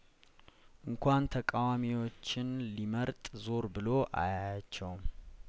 እንኳን ተቃዋሚዎችን ሊመርጥ ዞር ብሎ አያያቸውም